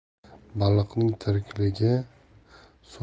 baliqning tirikligi suv bilan